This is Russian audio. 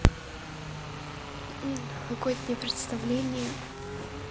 новогоднее представление